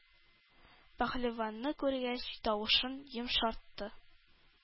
Пәһлеванны күргәч, тавышын йомшартты: